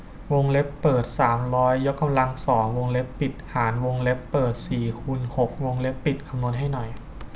วงเล็บเปิดสามร้อยยกกำลังสองวงเล็บปิดหารวงเล็บเปิดสี่คูณหกวงเล็บปิดคำนวณให้หน่อย